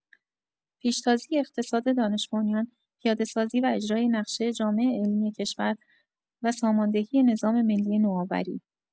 پیشتازی اقتصاد دانش‌بنیان، پیاده‌سازی و اجرای نقشه جامع علمی کشور و ساماندهی نظام ملی نوآوری